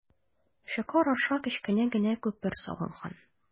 Чокыр аша кечкенә генә күпер салынган.